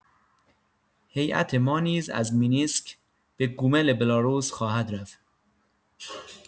هیئت ما نیز از مینسک به گومل بلاروس خواهد رفت.